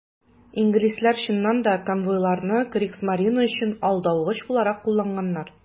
Инглизләр, чыннан да, конвойларны Кригсмарине өчен алдавыч буларак кулланганнар.